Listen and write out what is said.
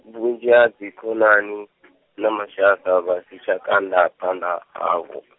vhunzhi ha dzi khonani , na mashaka vha si tsha ka nda, phanḓa, havho.